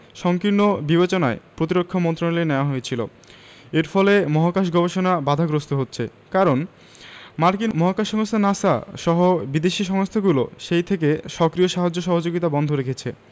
সংকীর্ণ বিবেচনায় প্রতিরক্ষা মন্ত্রণালয়ে নেওয়া হয়েছিল এর ফলে মহাকাশ গবেষণা বাধাগ্রস্ত হচ্ছে কারণ মার্কিন মহাকাশ সংস্থা নাসা সহ বিদেশি সংস্থাগুলো সেই থেকে সক্রিয় সাহায্য সহযোগিতা বন্ধ রেখেছে